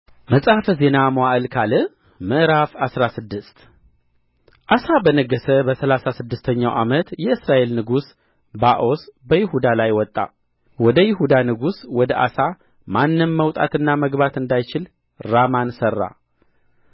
መጽሐፈ ዜና መዋዕል ካልዕ ምዕራፍ አስራ ስድስት አሳ በነገሠ በሠላሳ ስድስተኛው ዓመት የእስራኤል ንጉሥ ባኦስ በይሁዳ ላይ ወጣ ወደ ይሁዳም ንጉሥ ወደ አሳ ማንም መውጣትና መግባት እንዳይችል ራማን ሠራ